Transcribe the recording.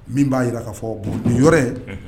Min b'a jira k ka fɔ bon nin ye